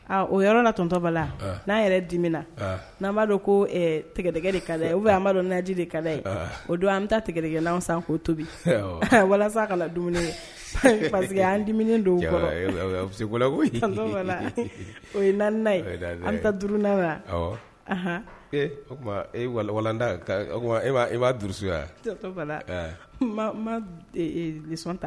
O yɔrɔ tɔntɔba na di n'an b'a dɔn kogɛ o bɛ naaji de kala o don an bɛ tigɛgɛlan ko tobi walasa ka dumuni parceseke anini don o na an bɛ taa la eelan e b'a dususo masɔn ta